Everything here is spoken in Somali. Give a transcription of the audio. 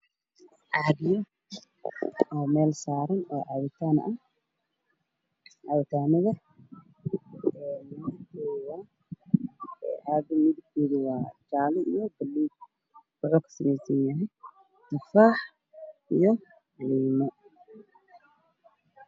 Caagado oo meel saaran oo cabitaan ah cabitaanada midabkoodu waa jaalle iyo buluug wuxu ka sameysan yahay tufaax iyo liimo